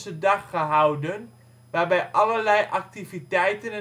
gehouden waarbij allerlei activiteiten